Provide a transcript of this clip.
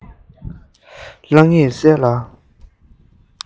ལྷང ངེར གསལ ལ